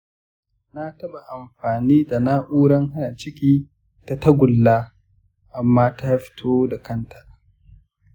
na taɓa amfani da na’urar hana ciki ta tagulla amma ta fito da kanta.